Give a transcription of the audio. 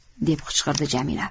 deb qichqirdi jamila